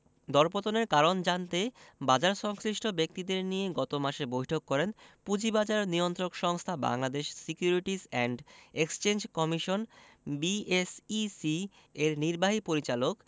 দরপতনের কারণ জানতে বাজারসংশ্লিষ্ট ব্যক্তিদের নিয়ে গত মাসে বৈঠক করেন পুঁজিবাজার নিয়ন্ত্রক সংস্থা Bangladesh securities and exchange commission BSEC এর নির্বাহী পরিচালক